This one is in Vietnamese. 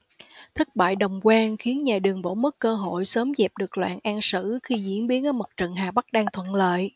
thất bại đồng quan khiến nhà đường bỏ mất cơ hội sớm dẹp được loạn an sử khi diễn biến ở mặt trận hà bắc đang thuận lợi